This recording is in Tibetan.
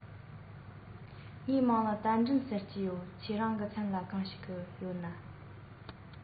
ཡིན ན ཡང རྣམ ཀུན གཟའ ཉི མར ང ཚོ ནང མི ཚང མས གཟབ མཚོར སྤྲས ཏེ མཚོ ཁར སྤྲོ འཆམ དུ འགྲོ ཞིང